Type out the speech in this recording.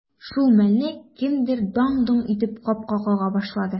Шул мәлне кемдер даң-доң итеп капка кага башлады.